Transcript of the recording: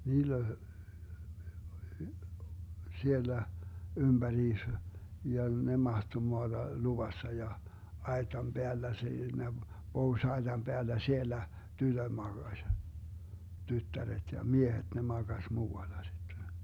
niillä oli siellä ympäriinsä ja ne mahtoi maata luvassa ja aitan päällä siinä pohjoisaitan päällä siellä tytöt makasi tyttäret ja miehet ne makasi muualla sitten